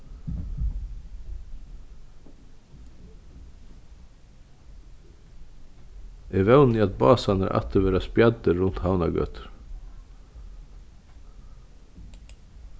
eg vóni at básarnir aftur verða spjaddir runt havnargøtur